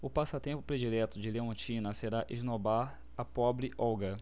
o passatempo predileto de leontina será esnobar a pobre olga